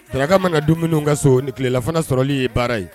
Daraka mana du munun ka so, kilelafana sɔrɔli ye baara ye.